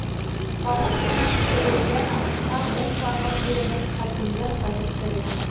Камыт кына кидерелгән атка буш арба сөйрәтеп, Хәкимҗан кайтып керде.